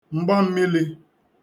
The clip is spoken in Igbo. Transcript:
mgbammili